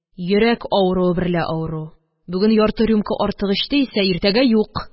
Йөрәк авыруы берлә авыру, бүген ярты рюмка артык эчте исә – иртәгә юк...